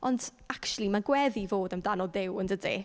Ond, acshyli, mae gweddi fod amdano Duw, yn dydi.